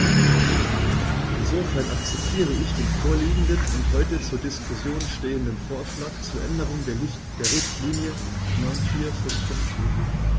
Insofern akzeptiere ich den vorliegenden und heute zur Diskussion stehenden Vorschlag zur Änderung der Richtlinie 94/55/EG.